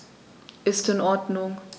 Ist in Ordnung.